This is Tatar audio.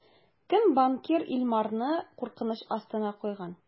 Кем банкир Илмарны куркыныч астына куйган?